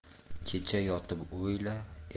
kecha yotib o'yla